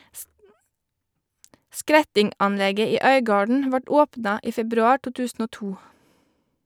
Skretting-anlegget i Øygarden vart åpna i februar 2002.